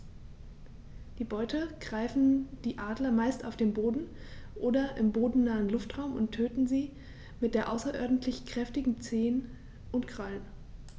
Die Beute greifen die Adler meist auf dem Boden oder im bodennahen Luftraum und töten sie mit den außerordentlich kräftigen Zehen und Krallen.